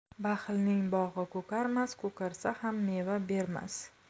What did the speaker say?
baxilning bog'i ko'karmas ko'karsa ham meva bermas